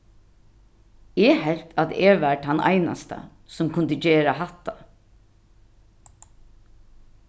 eg helt at eg var tann einasta sum kundi gera hatta